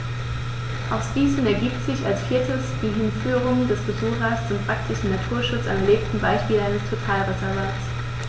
Aus diesen ergibt sich als viertes die Hinführung des Besuchers zum praktischen Naturschutz am erlebten Beispiel eines Totalreservats.